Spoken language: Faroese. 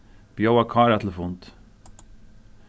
bjóða kára til fund